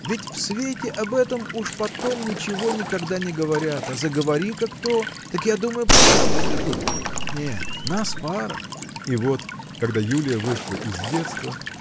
ведь в свете об этом уж потом ничего никогда не говорят а заговори-ка кто так я думаю просто выведут! Нет, нас пара. И вот когда Юлия вышла из детства